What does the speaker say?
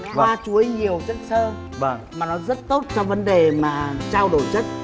hoa chuối nhiều chất xơ mà nó rất tốt cho vấn đề mà trao đổi chất